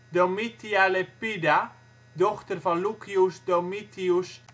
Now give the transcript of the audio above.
Domitia Lepida, dochter van Lucius Domitius